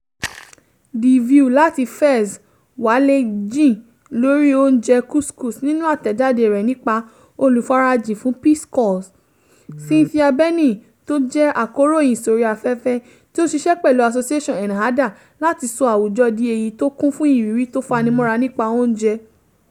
The View láti Fez walẹ̀ jìn lóri oúnjẹ couscous nínú àtẹ̀jáde rẹ̀ nípa olùfarajìn fún Peace Corps, Cynthia Berning (tó jẹ́ akọrọyìn sórí afẹ́fẹ́), tí ó ń ṣiṣẹ́ pẹ̀lu Association ENNAHDA láti sọ àwùjọ di èyí tó kún fún ìrírí tó fanimọ́ra nípa oúnje.